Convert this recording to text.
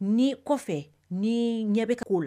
Ni kɔ kɔfɛ ni ɲɛ bɛ kɛ' o la